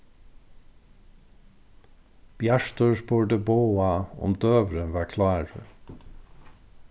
bjartur spurdi boga um døgurðin var klárur